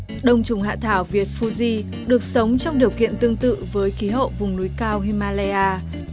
đông trùng hạ thảo việt phu ri được sống trong điều kiện tương tự với khí hậu vùng núi cao hi ma lay a